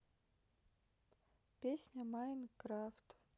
песня майнкрафт